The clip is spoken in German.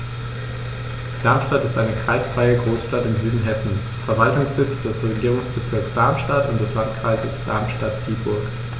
Darmstadt ist eine kreisfreie Großstadt im Süden Hessens, Verwaltungssitz des Regierungsbezirks Darmstadt und des Landkreises Darmstadt-Dieburg.